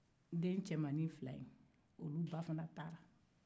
den cɛmannin fila in olu ba fana taara